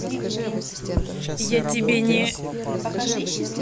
я тебе не